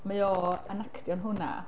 Mae o yn actio'n hwnna.